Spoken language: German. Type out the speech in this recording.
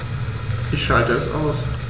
Ich schalte es aus.